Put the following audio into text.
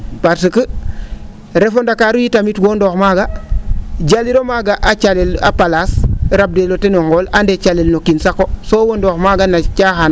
parce que refo ndakaru itam wondoox maaga jaliro maaga a calel a place rabdel o ten o nqool andee calel no kiin saqo soo wondoox maaga no xa caxaan